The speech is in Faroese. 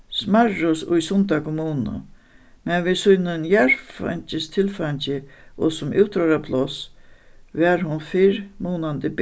smærru í sunda kommunu men við sínum jarðfeingis tilfeingi og sum útróðrarpláss var hon fyrr munandi